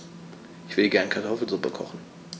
Ich will gerne Kartoffelsuppe kochen.